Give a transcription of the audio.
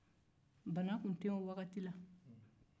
bana tun tɛ yen o waati la